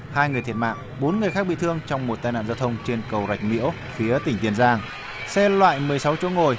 hai người thiệt mạng bốn người khác bị thương trong một tai nạn giao thông trên cầu rạch miễu phía tỉnh tiền giang xe loại mười sáu chỗ ngồi